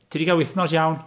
Ti 'di cael wythnos iawn?